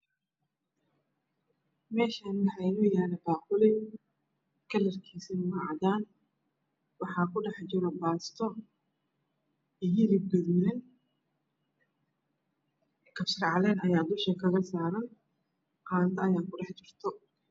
Meshani waxa ino yala baaquli kalarkisa waa cadaan waxa ku dhex jiro basto iyo hilib gadudan kabsar calen aya dusha ka saran qaando aya ku dhex jirto